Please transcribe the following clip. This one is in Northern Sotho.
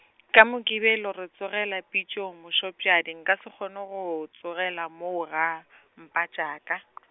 ka Mokibelo re tsogela pitšong Mošopšadi nka se kgone go tsogela moo ga , Mpatšaka .